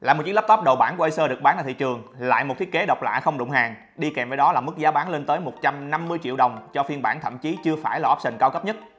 lại một chiếc laptop đầu bảng khác của acer được bán ra thị trường lại một thiết kế độc lạ không đụng hàng cùng với đó là giá bán lên tới triệu đồng cho phiên bản thậm chí chưa phải là option cao cấp nhất